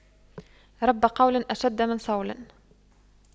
رب قول أشد من صول